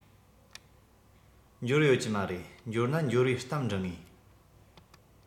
འབྱོར ཡོད ཀྱི མ རེད འབྱོར ན འབྱོར བའི གཏམ འབྲི ངེས